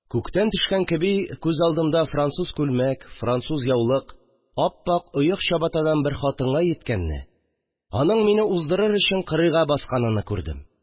Күктән төшкән кеби, күз алдымда француз күлмәк, француз яулык, ап-ак оек-чабатадан бер хатынга җиткәнне, аның мине уздырыр өчен кырыйга басканыны күрдем